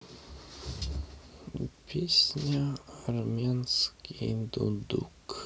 песня армянский дудук